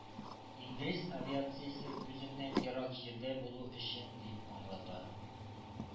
Инглиз авиациясе күзеннән ерак җирдә булу өчен дип аңлата.